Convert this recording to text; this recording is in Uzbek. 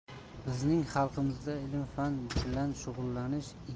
bizning xalqimizda ilm bilan shug'ullanish igna bilan